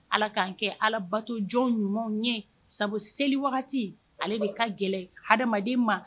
Ala k'an kɛ Ala bato jɔn ɲumanw ye, sabu seli wagati, ale de ka gɛlɛn hadamaden ma